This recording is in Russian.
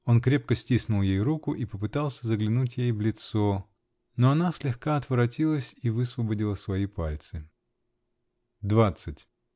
Он крепко стиснул ей руку и попытался заглянуть ей в лицо -- но она слегка отворотилась и высвободила свои пальцы. Двадцать.